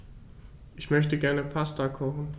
Ich möchte gerne Pasta kochen.